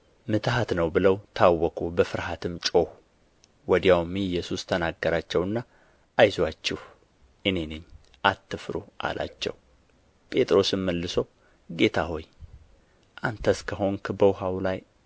ምትሐት ነው ብለው ታወኩ በፍርሃትም ጮኹ ወዲያውም ኢየሱስ ተናገራቸውና አይዞአችሁ እኔ ነኝ አትፍሩ አላቸው ጴጥሮስም መልሶ ጌታ ሆይ አንተስ ከሆንህ በውኃው ላይ